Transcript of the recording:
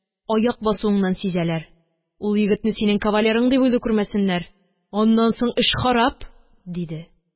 Аяк басуыңнан сизәләр. Ул егетне синең кавалерың дип уйлый күрмәсеннәр... Аннан соң эш харап, – диде..